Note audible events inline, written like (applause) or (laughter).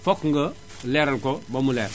foog nga (noise) leeral ko ba mu leer